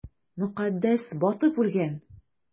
Мөкаддәс батып үлгән!